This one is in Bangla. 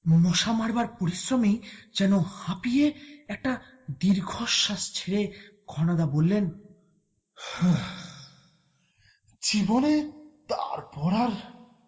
মশা মারার পরিশ্রমই যেন হাপিয়ে একটা দীর্ঘ শ্বাস ছেড়ে ঘনাদা বললেন জীবনে তারপর আর